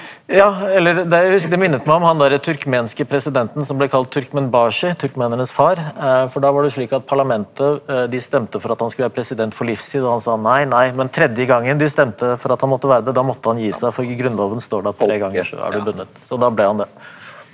ja eller det det minnet meg om han der turkmenske presidenten som ble kalt Turkmenbashi, turkmenernes far, for da var det slik at parlamentet de stemte for at han skulle være president for livstid og han sa nei nei, men tredje gangen de stemte for at han måtte være det da måtte han gi seg for i grunnloven står at tre ganger så er du bundet, så da ble han det.